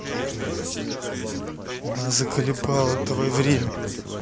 на заколебала давай время